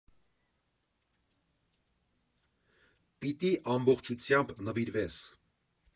Պիտի ամբողջությամբ նվիրվես։